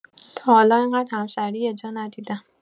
تا حالا انقد همشهری یه جا ندیدم!